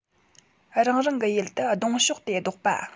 རང རང གི ཡུལ དུ གདོང ཕྱོགས ཏེ ལྡོག པ